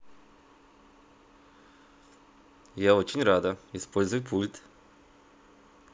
я очень рада используй пульт